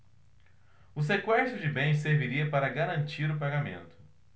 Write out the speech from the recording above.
o sequestro de bens serviria para garantir o pagamento